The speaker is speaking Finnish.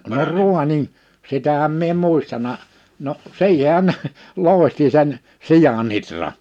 no raanin sitähän minä en muistanut no siihenhän ne loihti sen sian ihran